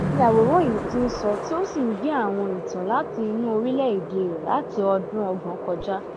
Ayàwòrán yìí ti ń sọ tí ó sì ń gbé àwọn ìtàn láti inú orílẹ̀-èdè rẹ̀ láti ọdún 30 kọjá.